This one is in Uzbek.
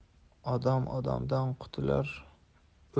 odam odamdan qutular